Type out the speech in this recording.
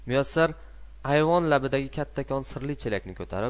muyassar ayvon labidagi kattakon sirli chelakni ko'tarib